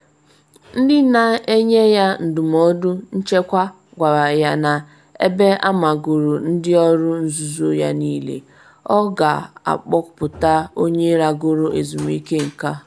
Ndị na-enye ya ndụmọdụ nchekwa gwara ya na ebe amagoro ndị ọrụ nzuzo ya niile, ọ ga-akpọpụta onye lagoro ezumike nka.